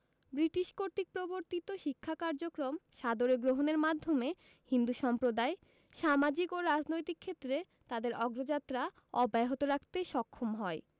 British কর্তৃক প্রবর্তিত শিক্ষা কার্যক্রম সাদরে গ্রহণের মাধ্যমে হিন্দু সম্প্রদায় সামাজিক ও রাজনৈতিক ক্ষেত্রে তাদের অগ্রযাত্রা অব্যাহত রাখতে সক্ষম হয়